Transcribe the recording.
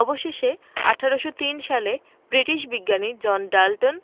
অবশেষে ১৮০৩ সালে ব্রিটিশ বিজ্ঞানী জন ডাল্টন